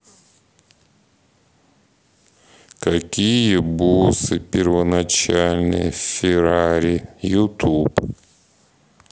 какие боссы первоначальные в ферарии ютуб